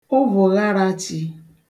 ụvụ̀gharāchī